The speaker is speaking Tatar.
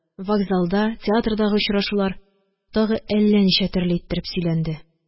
Вокзалда, театрдагы очрашулар тагы әллә ничә төрле иттереп сөйләнде.